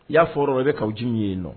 I y'a fɔ fɔra o bɛ ka jugu ye nɔ